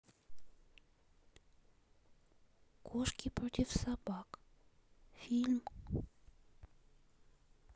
кошки против собак фильм